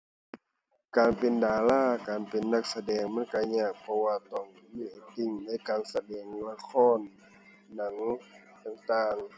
การเป็นดารา การเป็นนักแสดง มันก็ยากเพราะว่าต้องมีแอกติงในการแสดงละคร หนังต่างต่าง